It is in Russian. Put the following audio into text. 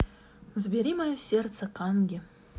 забери мое сердце канги